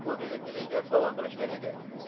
bu biletni menga sovg'a qilishgan edi